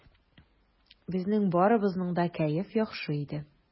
Безнең барыбызның да кәеф яхшы иде.